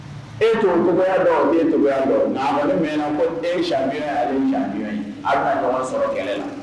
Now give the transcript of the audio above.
E tun toya dɔn toya dɔn' balima mɛnɛna ko e caya ale caya ala' ɲɔgɔn sɔrɔ kɛlɛ la